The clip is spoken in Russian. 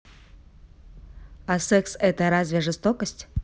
а секс это разве жестокость